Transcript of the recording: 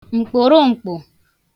m̀kpụrụm̀kpụ